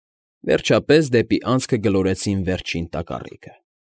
Վերջապես դեպի անցքը գլորեցին վերջին տակառիկը։